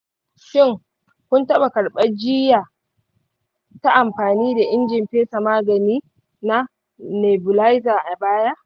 shin kun taɓa karɓar jiyya ta amfani da injin fesa magani na nebulizer a baya?